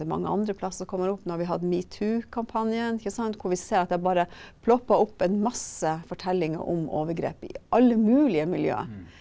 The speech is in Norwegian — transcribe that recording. det er mange andre plasser som kommer opp når vi hadde metoo-kampanjen ikke sant hvor vi ser at det bare ploppet opp en masse fortellinger om overgrep i alle mulige miljøer.